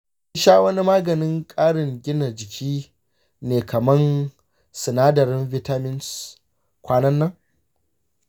kin sha wani maganin ƙarin gina jiki ne kaman sinadarin vitamins kwanan nan?